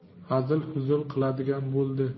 hazil huzul qiladigan bo'ldi